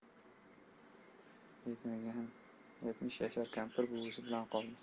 yetmish yashar kampir buvisi bilan qoldi